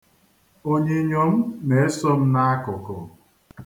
Onyinyo m na-eso m n'akụkụ.